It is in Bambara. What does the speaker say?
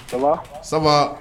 Sa sama